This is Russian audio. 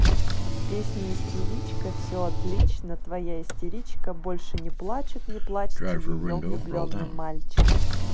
песня истеричка все отлично твоя истеричка больше не плачут не плачьте ее влюбленный мальчик